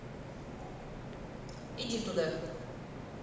иди в туда